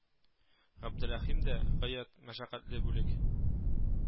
Габдерәхим дә, гаять мәшәкатьле бүлек